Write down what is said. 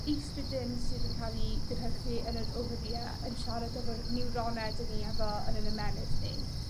estrogen sydd yn ca'l 'i gynhyrchu yn yr oferie yn siarad efo'r niwrone 'dyn ni efo yn 'yn ymennydd ni.